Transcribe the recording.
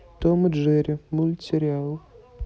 том и джерри мультсериал